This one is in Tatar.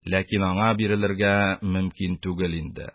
Ләкин аңа бирелергә мөмкин түгел инде.